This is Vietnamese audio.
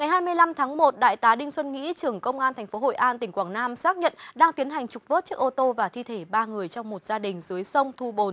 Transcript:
ngày hai mươi lăm tháng một đại tá đinh xuân nghĩ trưởng công an thành phố hội an tỉnh quảng nam xác nhận đang tiến hành trục vớt chiếc ô tô và thi thể ba người trong một gia đình dưới sông thu bồn